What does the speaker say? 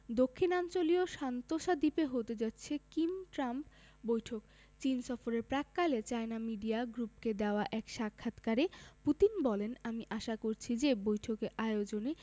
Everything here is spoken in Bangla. দক্ষিণাঞ্চলীয় সান্তোসা দ্বীপে হতে যাচ্ছে কিম ট্রাম্প বৈঠক চীন সফরের প্রাক্কালে চায়না মিডিয়া গ্রুপকে দেওয়া এক সাক্ষাৎকারে পুতিন বলেন আমি আশা করছি যে বৈঠক আয়োজনে